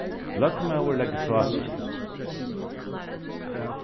løgmaður leggur frá sær